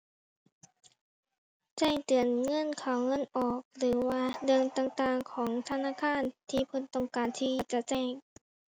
แจ้งเตือนเงินเข้าเงินออก หรือว่าเรื่องต่างต่างของธนาคาร ที่เพิ่นต้องการที่อยากจะแจ้ง